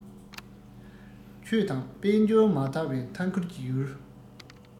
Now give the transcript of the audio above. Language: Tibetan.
ཆོས དང དཔལ འབྱོར མ དར བའི མཐའ འཁོར གྱི ཡུལ